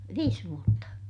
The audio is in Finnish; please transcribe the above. viisi vuotta